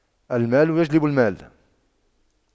المال يجلب المال